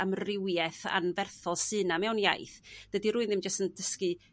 amrywiaeth anferthol sy' 'na mewn iaith dydi rwyn ddim jyst yn dysgu